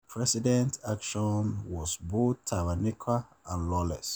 The president's action was both tyrannical and lawless.